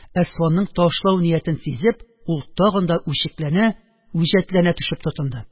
Әсфанның ташлау ниятен сизеп, ул тагын да үчекләнә, үҗәтләнә төшеп тотынды